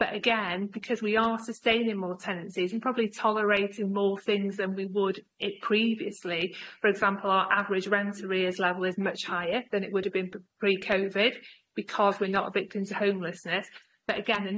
but again because we are sustaining more tenancies and probably tolerating more things than we would it previously for example our average rent arrears level is much higher than it would have been pre-Covid because we're not a victim to homelessness but again a